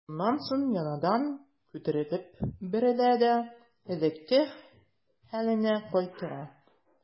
Шуннан соң яңадан күтәрелеп бәрелә дә элеккеге хәленә кайта.